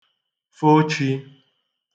fo chi